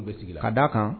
U bɛ sigi ka d da a kan